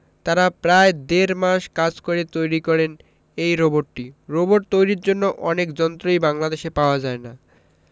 তারা প্রায় দেড় মাস কাজ করে তৈরি করেন এই রোবটটি রোবট তৈরির জন্য অনেক যন্ত্রই বাংলাদেশে পাওয়া যায় না